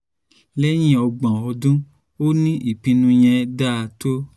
Lẹ́yìn ọgbọ̀n ọdún, ó ní “ìpinnu yẹn ‘da to ó.